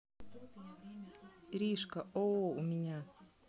иришка оо у меня